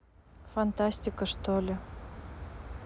фантастика что ли